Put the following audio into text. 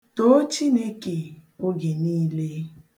Too Chineke oge niile.